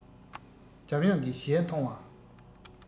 འཇམ དབྱངས ཀྱི ཞལ མཐོང བ